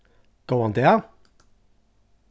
góðan dag